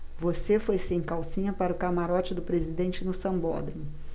você foi sem calcinha para o camarote do presidente no sambódromo